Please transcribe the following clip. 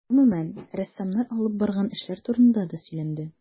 Гомүмән, рәссамнар алып барган эшләр турында да сөйләнде.